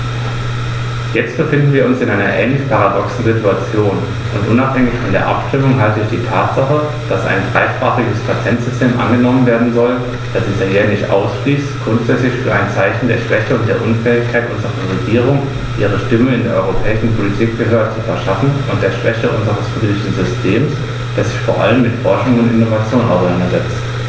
Jetzt befinden wir uns in einer ähnlich paradoxen Situation, und unabhängig von der Abstimmung halte ich die Tatsache, dass ein dreisprachiges Patentsystem angenommen werden soll, das Italienisch ausschließt, grundsätzlich für ein Zeichen der Schwäche und der Unfähigkeit unserer Regierung, ihrer Stimme in der europäischen Politik Gehör zu verschaffen, und der Schwäche unseres politischen Systems, das sich vor allem mit Forschung und Innovation auseinandersetzt.